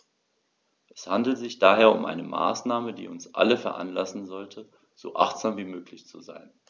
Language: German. Es handelt sich daher um eine Maßnahme, die uns alle veranlassen sollte, so achtsam wie möglich zu sein.